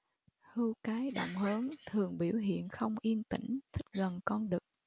hươu cái động hớn thường biểu hiện không yên tĩnh thích gần con đực